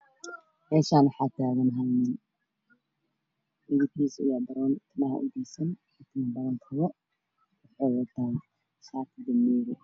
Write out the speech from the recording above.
Meeshaan waxaa taagan hal nin midabkiisa uu yahay baroon timaha u daysan wuxuu wataa shaati baluug eh